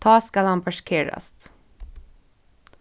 tá skal hann parkerast